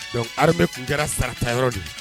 Donc armée tun kɛra sarata yɔrɔ de ye ?